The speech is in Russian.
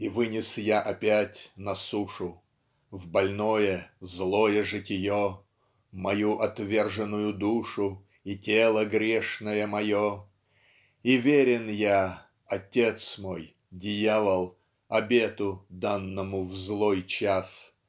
И вынес я опять на сушу В больное злое житие Мою отверженную душу И тело грешное мое. И верен я Отец мой Дьявол Обету данному в злой час